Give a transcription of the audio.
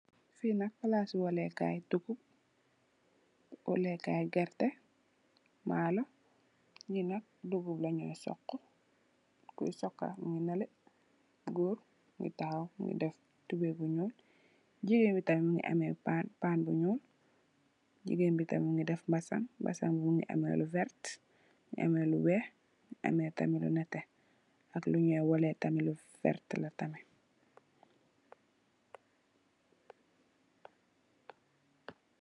Fenak palasi wolé kai dugoop. Wolé kai gerr teh, malo nyi nak dugoop la nyoi sokhu. Ku sokha mungi nalé gorr, mungi tahaw, mungi def tubay bu nyul. Gigéén bi tam mungi ameh pan, pan bu njul, gigéén bi tam mungi def mbasang, mbasang bi mungi ameh lu ferr ti, mungi ameh lu wekh mungi ameh tamit lu neteh am lu nyoi woleh tamit lu ferr ti la tamit.